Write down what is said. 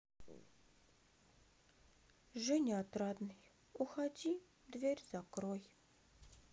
женя отрадный уходи дверь закрой